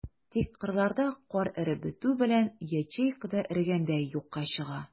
Тик кырларда кар эреп бетү белән, ячейка да эрегәндәй юкка чыга.